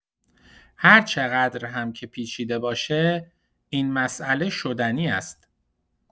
هر چقدر هم که پیچیده باشه، این مسئله شدنی است.